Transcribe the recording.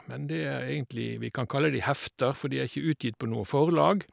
men det er egentlig Vi kan kalle de hefter, for de er ikke utgitt på noe forlag.